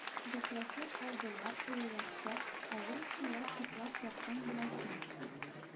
Гәпләшеп алдылар, олыларча, авыр сулап йоклап яткан гөләшне